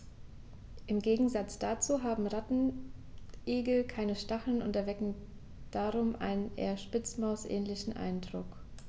Im Gegensatz dazu haben Rattenigel keine Stacheln und erwecken darum einen eher Spitzmaus-ähnlichen Eindruck.